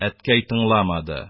Әткәй тыңламады: -